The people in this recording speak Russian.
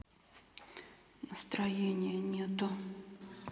настроения нету